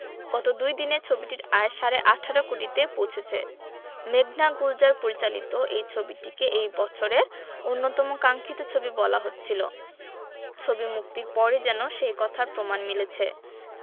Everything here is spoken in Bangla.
গত দুই দিনে ছবিটির আয় সাড়ে ১৮ কোটিতে পৌঁছেছে মেঘনা গুলজার পরিচালিত এই ছবিটিকে এই বছরের অন্যতম কাঙ্খিত ছবি বলা হচ্ছিল ছবি মুক্তির পরই যেন সেই কথার প্রমাণ মিলছে